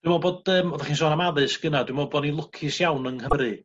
Dwi me'wl bod yym oddach chi'n sôn am addysg gynna dwi me'wl bo' ni'n lwcus iawn yng Nghymru